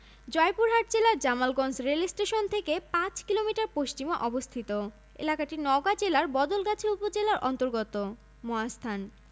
জয়পুরহাট জেলার জামালগঞ্জ রেলস্টেশন থেকে ৫ কিলোমিটার পশ্চিমে অবস্থিত এলাকাটি নওগাঁ জেলার বদলগাছি উপজেলার অন্তর্গত মহাস্থান